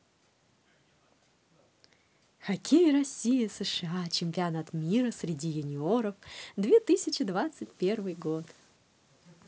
хоккей россия сша чемпионат мира среди юниоров две тысячи двадцать первый год